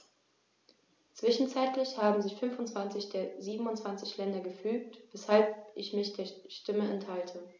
Zwischenzeitlich haben sich 25 der 27 Länder gefügt, weshalb ich mich der Stimme enthalte.